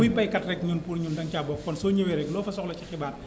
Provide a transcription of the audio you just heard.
kuy baykat rek ñun pour ñun danga caa bokk kon soo ñëwee rek loo fa soxla ci xibaar